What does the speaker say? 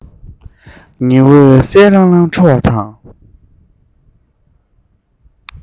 ཉི འོད གསལ ལྷང ལྷང འཕྲོ བ དང